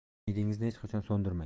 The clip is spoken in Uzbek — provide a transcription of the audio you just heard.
umidingizni hech qachon so'ndirmang